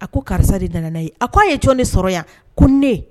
A ko karisa de nana n'a ye a k ko a ye jɔn de sɔrɔ yan ko ne